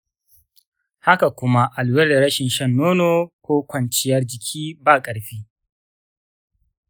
haka kuma a lura da rashin shan nono ko kwanciyar jiki ba ƙarfi.